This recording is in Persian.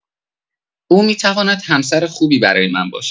او می‌تواند همسر خوبی برای من باشد.